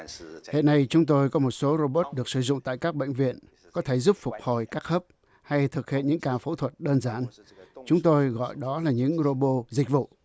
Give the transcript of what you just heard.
hiện nay chúng tôi có một số rô bốt được sử dụng tại các bệnh viện có thể giúp phục hồi các khớp hay thực hiện những ca phẫu thuật đơn giản chúng tôi gọi đó là những rô bô dịch vụ